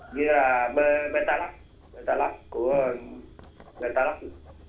nghĩa là bê bê ta lắc bê ta lắc của bê ta lắc